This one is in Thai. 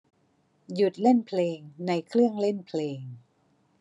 หยุดเล่นเพลงในเครื่องเล่นเพลง